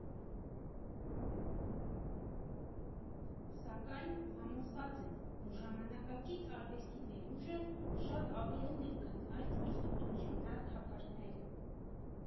Սակայն, համոզված եմ, որ ժամանակակից արվեստի ներուժը շատ ավելին է, քան այդ ինստիտուցիոնալ թակարդները։